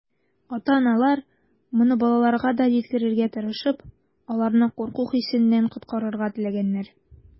Ата-аналар, моны балаларга да җиткерергә тырышып, аларны курку хисеннән коткарырга теләгәннәр.